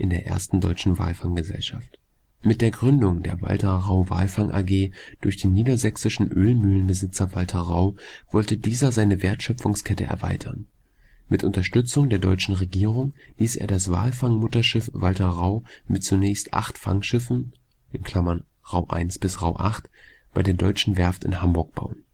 Ersten Deutschen Walfang-Gesellschaft. Mit der Gründung der Walter Rau Walfang AG durch den niedersächsischen Ölmühlenbesitzer Walter Rau wollte dieser seine Wertschöpfungskette erweitern. Mit Unterstützung der deutschen Regierung ließ er das Walfangmutterschiff Walter Rau mit zunächst acht Fangschiffen (Rau I bis Rau VIII) bei der Deutschen Werft in Hamburg bauen